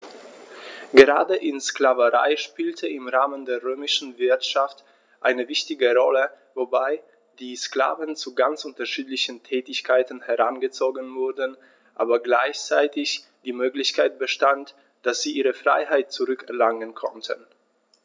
Gerade die Sklaverei spielte im Rahmen der römischen Wirtschaft eine wichtige Rolle, wobei die Sklaven zu ganz unterschiedlichen Tätigkeiten herangezogen wurden, aber gleichzeitig die Möglichkeit bestand, dass sie ihre Freiheit zurück erlangen konnten.